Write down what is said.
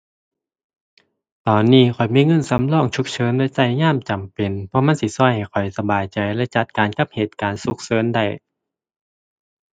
ตอนนี้ข้อยมีเงินสำรองฉุกเฉินไว้ใช้ยามจำเป็น เพราะมันสิใช้ให้ข้อยสบายใจและจัดการกับเหตุการณ์ฉุกเฉินได้